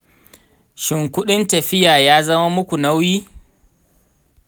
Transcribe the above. shin kuɗin tafiya ya zama muku nauyi?